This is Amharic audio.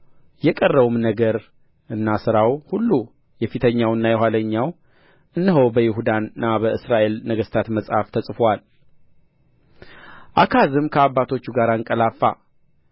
የቀረውም ነገርና ሥራው ሁሉ የፊተኛውና የኋለኛው እነሆ በይሁዳና በእስራኤል ነገሥታት መጽሐፍ ተጽፎአል አካዝም ከአባቶቹ ጋር አንቀላፋ